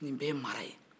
nin bɛɛ ye mara ye